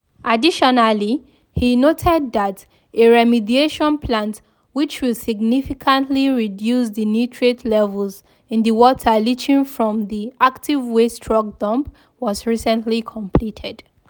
Additionally, he noted that a bioremediation plant, which will significantly reduce the nitrate levels in the water leaching from the active waste rock dump, was recently completed.